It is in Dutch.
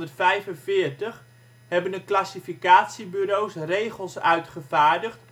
645 hebben de classificatiebureaus regels uitgevaardigd